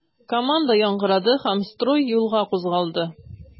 Команда яңгырады һәм строй юлга кузгалды.